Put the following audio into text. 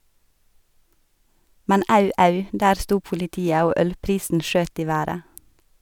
Men au, au , der sto politiet, og ølprisen skjøt i været.